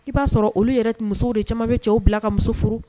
I b'a sɔrɔ olu yɛrɛ tun musow de caman bɛ cɛw bila ka muso furu